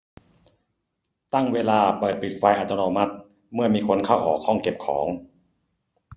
ตั้งเวลาเปิดปิดไฟอัตโนมัติเมื่อมีคนเข้าออกห้องเก็บของ